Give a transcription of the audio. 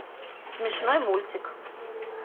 смешной мультик